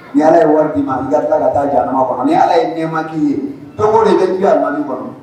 Ni ala ye wari'i ma i gari ka taa janma kuwa ani ni ala ye ɲɛmaki ye dɔw de bɛlima kɔnɔ